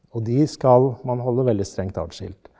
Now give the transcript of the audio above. og de skal man holde veldig strengt adskilt.